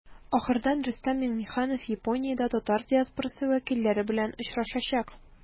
Ахырдан Рөстәм Миңнеханов Япониядә татар диаспорасы вәкилләре белән очрашачак.